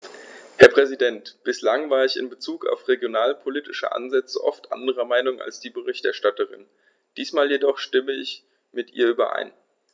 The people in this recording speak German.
Herr Präsident, bislang war ich in Bezug auf regionalpolitische Ansätze oft anderer Meinung als die Berichterstatterin, diesmal jedoch stimme ich mit ihr überein.